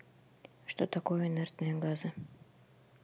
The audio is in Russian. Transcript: что такое инертные газы